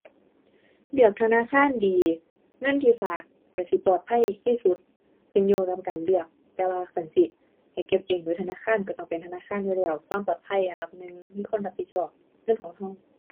เลือกธนาคารดี เงินที่ฝากก็สิปลอดภัยที่สุด ขึ้นอยู่กับการเลือก แต่ว่าคันสิให้เก็บเองหรือธนาคาร ก็ต้องเป็นธนาคารอยู่แล้ว ความปลอดภัยอันดับหนึ่ง มีคนรับผิดชอบเงินของก็